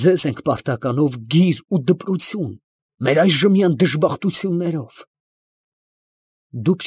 Ձե՜զ ենք պարտական, ով գիր և դպրություն, մեր այժմյան դժբախտություններով. ֊ դուք։